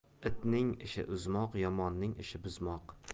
itning ishi uzmoq yomonning ishi buzmoq